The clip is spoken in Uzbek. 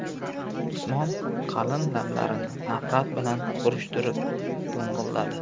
usmon qalin lablarini nafrat bilan burishtirib to'ng'illadi